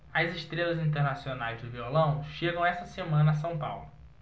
as estrelas internacionais do violão chegam esta semana a são paulo